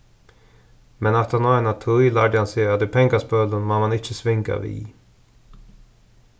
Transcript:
men aftaná eina tíð lærdi hann seg at í pengaspølum má mann ikki svinga við